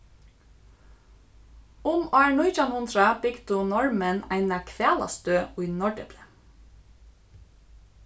um ár nítjan hundrað bygdu norðmenn eina hvalastøð í norðdepli